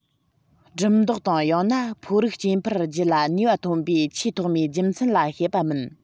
སྦྲུམ རྡོག དང ཡང ན ཕོ རིགས སྐྱེ འཕེལ རྒྱུ ལ ནུས པ ཐོན པའི ཆེས ཐོག མའི རྒྱུ མཚན ལ བཤད པ མིན